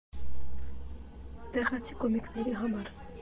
Տեղացի կոմիկների համար։